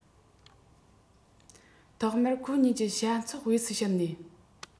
ཐོག མར ཁོང གཉིས ཀྱི བྱ ཚོགས དབུས སུ ཕྱིན ནས